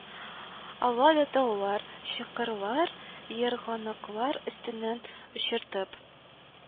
Ала да таулар, чокырлар, ерганаклар өстеннән очыртып